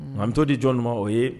Mais an bɛ t'o di jɔnni ma o ye